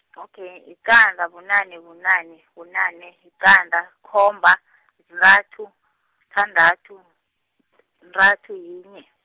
okay, yiqanda, bunane, bunane, bunane, yiqanda, khomba , zintathu, sithandathu , -ntathu, yinye.